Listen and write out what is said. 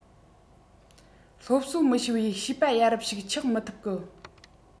སློབ གསོ མི ཤེས པས བྱིས པ ཡ རབས ཞིག ཆགས མི ཐུབ གི